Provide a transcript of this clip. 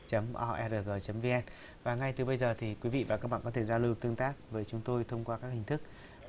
chấm o e rờ gờ chấm vi en và ngay từ bây giờ thì quý vị và các bạn có thể giao lưu tương tác với chúng tôi thông qua các hình thức